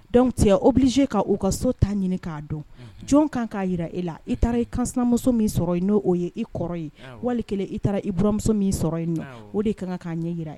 Dɔnc tu es obligé k'a u ka so ta ɲini k'a dɔn jɔn ka kan k'a jira e la i taara i kansinamuso min sɔrɔ yen n'o ye i kɔrɔ ye wali kele taara i buramuso min sɔrɔ ye o nɔ de ka kan k'a ɲɛ jira